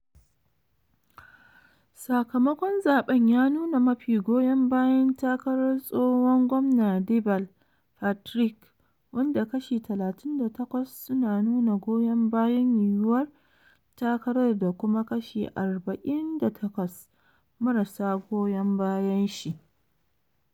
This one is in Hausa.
Sakamakon zaben ya nuna mafi goyon bayan takarar tsohon gwamna Deval Patrick, wanda kashi 38 su na nuna goyon bayan yiyuwar takarar da kuma kashi 48 marasa goyon bayan shi.